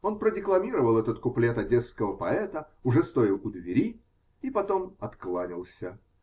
Он продекламировал этот куплет одесского поэта, уже стоя у двери, и потом откланялся.